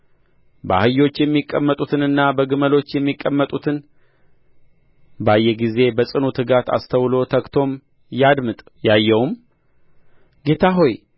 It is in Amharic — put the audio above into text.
በአህዮች የሚቀመጡትንና በግመሎች የሚቀመጡትን ባየ ጊዜ በጽኑ ትጋት አስተውሎ ተግቶም ያድምጥ ያየውም ጌታ ሆይ